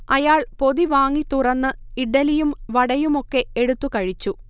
അയാൾ പൊതി വാങ്ങി തുറന്ന് ഇഡ്ഢലിയും വടയുമൊക്കെ എടുത്തുകഴിച്ചു